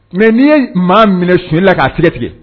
Mɛ n'i ye maa minɛ su la k'a sɛgɛ tigɛ